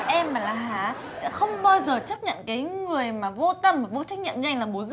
em mà là hà á sẽ không bao giờ chấp nhận cái người mà vô tâm và vô trách nhiệm như anh là bố dượng